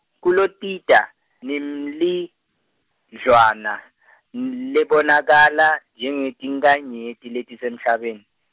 Kulotita, nemlidlwana, n- lebonakala, njengetinkhanyeti letisemhlabeni.